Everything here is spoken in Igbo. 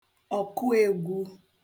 ọ̀kụegwu